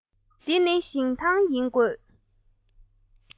འདི ནི ཞིང ཐང ཡིན དགོས